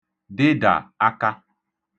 dịdà aka